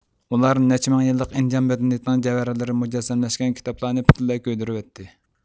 ئۇلار نەچچە مىڭ يىللىق ئىندىئان مەدەنىيىتىنىڭ جەۋھەرلىرى مۇجەسسەملەشكەن كىتابلارنى پۈتۈنلەي كۆيدۈرۈۋەتتى